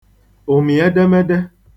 ụ̀mị̀-edemede